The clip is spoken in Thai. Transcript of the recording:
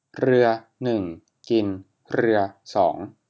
เรือหนึ่งกินเรือสอง